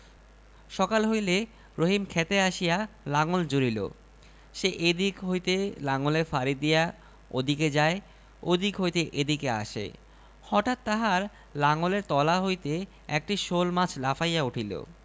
সকাল হইলে রহিম ক্ষেতে আসিয়া লাঙল জুড়িল সে এদিক হইতে লাঙলের ফাড়ি দিয়া ওদিকে যায় ওদিক হইতে এদিকে আসে হঠাৎ তাহার লাঙলের তলা হইতে একটি শোলমাছ লাফাইয়া উঠিল